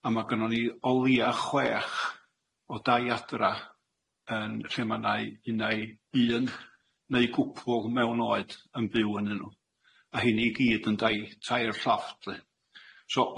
A ma' gynnon ni o leia chwech o dai Adra yn lle ma' nai unai un neu gwpwl mewn oed yn byw ynnyn nw a heini i gyd yn dai tair llofft lly.